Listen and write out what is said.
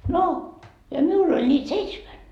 no ja minulla oli niitä seitsemän